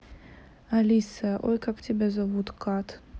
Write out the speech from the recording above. алиса ой как тебя зовут cut